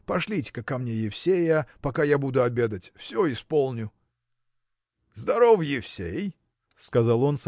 Пошлите-ка ко мне Евсея, пока я буду обедать, – все исполню! – Здорово, Евсей! – сказал он